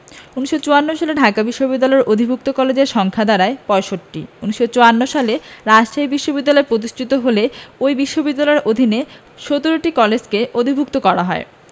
১৯৫৪ সালে ঢাকা বিশ্ববিদ্যালয়ের অধিভুক্ত কলেজের সংখ্যা দাঁড়ায় ৬৫ ১৯৫৪ সালে রাজশাহী বিশ্ববিদ্যালয় প্রতিষ্ঠিত হলে ওই বিশ্ববিদ্যালয়ের অধীনে ১৭টি কলেজকে অধিভুক্ত করা হয়